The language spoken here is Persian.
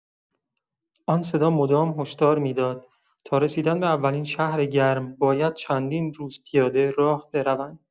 آن صدا مدام هشدار می‌داد تا رسیدن به اولین شهر گرم باید چندین روز پیاده راه بروند.